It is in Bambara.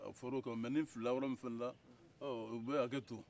a for'o ko mɛ ni filila yɔrɔ min fana na u bɛ hakɛtɔ